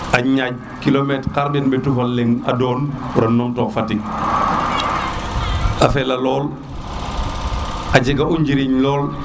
a ƴaaƴ kilométre xar mben ɓetu faleng a donu pour o num toox Fatick a fela lool ajega o njiriñ lol nda